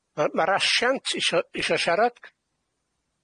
Ma'- ma'r asiant isio- isio siarad.